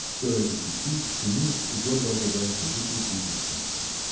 Всё это кипит, шумит и гордо ожидает великой будущности.